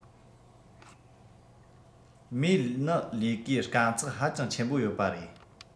མོའི ནི ལས ཀའི དཀའ ཚེགས ཧ ཅང ཆེན པོ ཡོད པ རེད